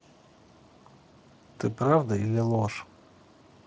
ты правда или ложь